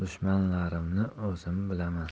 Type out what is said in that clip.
dushmanlarimni o'zim bilaman